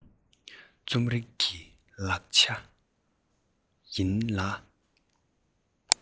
རྩོམ རིག གི ཆ ལག ཡིན ལ